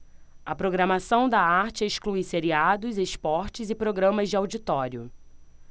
a programação da arte exclui seriados esportes e programas de auditório